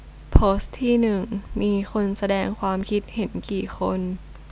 โพสต์ที่หนึ่งมีคนแสดงความคิดเห็นกี่คน